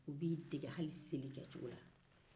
u b'i dege hali se kɛcogo la